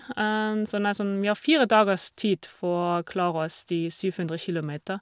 Sånn er sånn, vi har fire dagers tid for å klare oss de syv hundre kilometer.